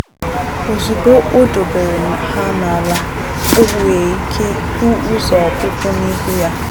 Ozugbo o dobere ha n'ala, o nwee ike hụ ụzọ ọpụpụ n'ihu ya.